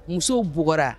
Musow bugɔra